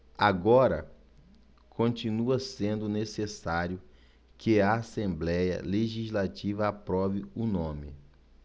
agora continua sendo necessário que a assembléia legislativa aprove o nome